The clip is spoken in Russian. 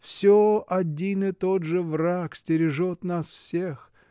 всё один и тот же враг стережет нас всех!.